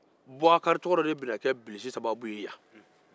bakari tɔgɔ de de be na ke bilisi sababu ye yan